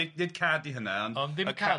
nid nid cad di hynna ond... Ond ddim cad